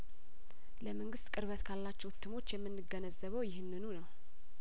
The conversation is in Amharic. ለመንግስት ቅርበት ካላቸው እትሞች የምን ገነዘበው ይህንኑ ነው